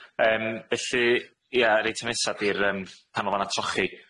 Yym felly, ia, yr eitem nesa 'di'r yym canolfanna trochi.